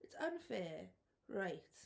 It's unfair, reit.